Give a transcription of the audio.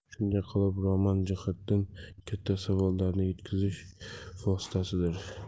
shunday qilib roman jamiyatga katta savollarni yetkazish vositasidir